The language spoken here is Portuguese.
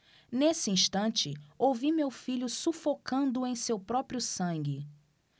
nesse instante ouvi meu filho sufocando em seu próprio sangue